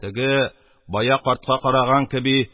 Теге, бая картка караган кеби,